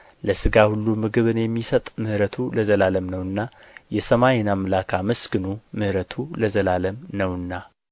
ለሥጋ ሁሉ ምግብን የሚሰጥ ምሕረቱ ለዘላለም ነውና የሰማይን አምላክ አመስግኑ ምሕረቱ ለዘላለም ነውና